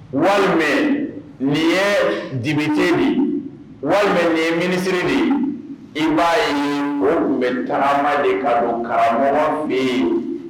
Walima nin ye député de ye walima nin ye ministre de ye, i b'a o tun bɛ taama de ka don karamɔgɔ fɛ yen